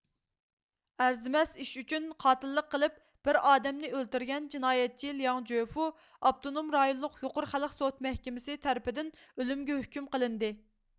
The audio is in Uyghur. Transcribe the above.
ئەرزىمەس ئىش ئۈچۈن قاتىللىق قىلىپ بىر ئادەمنى ئۆلتۈرگەن جىنايەتچى لياڭ جۆفۇ ئاپتونوم رايونلۇق يۇقىرى خەلق سوت مەھكىمىسى تەرىپىدىن ئۆلۈمگە ھۆكۈم قىلىندى